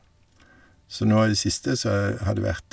Så nå i det siste så har det vært...